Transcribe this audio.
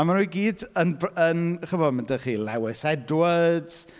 A maen nhw gyd yn, b- yn, chimod, ma' 'da chi Lewis Edwards.